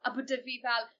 a bod 'dy fi fel